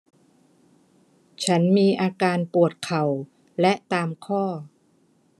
ฉันมีอาการปวดเข่าและตามข้อ